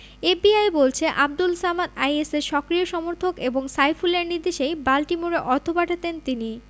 FBI বলছে আবদুল সামাদ আইএসের সক্রিয় সমর্থক এবং সাইফুলের নির্দেশেই বাল্টিমোরে অর্থ পাঠাতেন তিনি